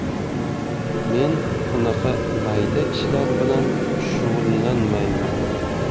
men unaqa mayda ishlar bilan shug'ullanmayman